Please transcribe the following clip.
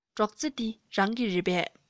སྒྲོག རྩེ འདི རང གི རེད པས